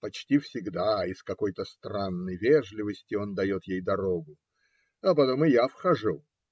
почти всегда из какой-то странной вежливости он дает ей дорогу. Потом и я вхожу.